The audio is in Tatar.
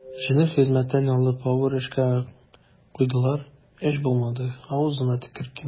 Җиңел хезмәттән алып авыр эшкә куйдылар, өч булдымы, авызыңа төкерим.